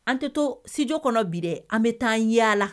An tɛ to studio kɔnɔ bi dɛ an bɛ ta'an yaala